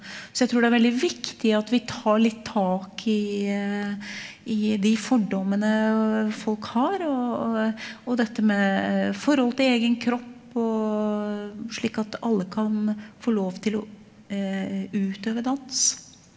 så jeg tror det er veldig viktig at vi tar litt tak i i de fordommene folk har og og og dette med forhold til egen kropp og slik at alle kan få lov til å utøve dans.